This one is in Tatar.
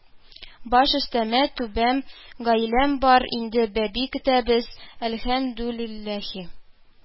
“баш өстемдә – түбәм, гаиләм бар, инде бәби көтәбез, әлхәмдүлилләһи